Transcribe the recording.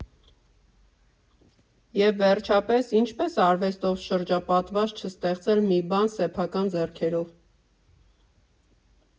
Եվ վերջապես, ինչպե՞ս արվեստով շրջապատված չստեղծել մի բան սեփական ձեռքերով։